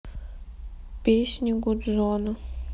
песни гудзона